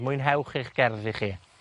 Mwynhewch eich gerddi chi.